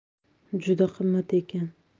juda qimmat ekan